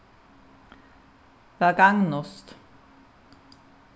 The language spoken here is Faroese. væl gagnist